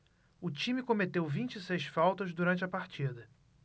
o time cometeu vinte e seis faltas durante a partida